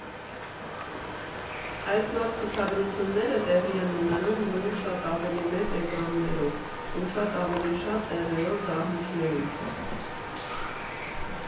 Այս նոր ցուցադրությունները տեղի են ունենում նույն շատ ավելի մեծ էկրաններով ու շատ ավելի շատ տեղերով դահլիճներում։